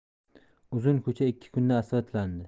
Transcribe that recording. uzun ko'cha ikki kunda asfaltlandi